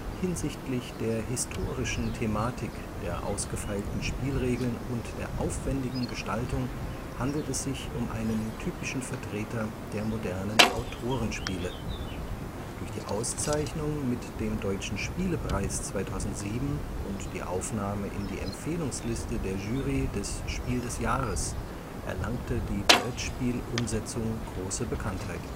Hinsichtlich der historischen Thematik, der ausgefeilten Spielregeln und der aufwendigen Gestaltung handelt es sich um einen typischen Vertreter der modernen Autorenspiele. Durch die Auszeichnung mit dem deutschen Spielepreis 2007 und die Aufnahme in die Empfehlungsliste der Jury des Spiels des Jahres erlangte die Brettspielumsetzung große Bekanntheit